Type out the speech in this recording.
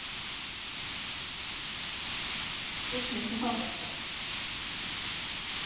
что смешного то